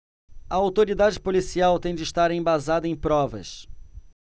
a autoridade policial tem de estar embasada em provas